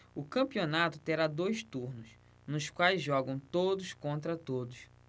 o campeonato terá dois turnos nos quais jogam todos contra todos